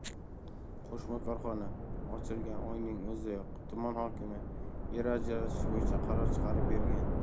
qo'shma korxona ochilgan oyning o'zidayoq tuman hokimi yer ajratish bo'yicha qaror chiqarib bergan